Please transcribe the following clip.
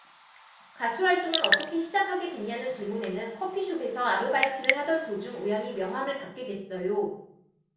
가수 활동은 어떻게 시작하게 됐냐는 질문에는 커피숍에서 아르바이트를 하던 도중 우연히 명함을 받게 됐어요